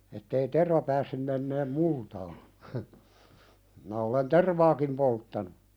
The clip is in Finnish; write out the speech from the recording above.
että ei terva päässyt menemään multaan minä olen tervaakin polttanut